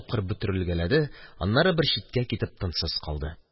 Тапкыр бөтерелгәләде, аннары бер читкә китеп тынсыз калды.